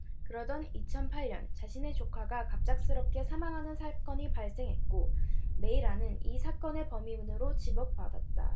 그러던 이천 팔 년 자신의 조카가 갑작스럽게 사망하는 사건이 발생했고 메이라는 이 사건의 범인으로 지목받았다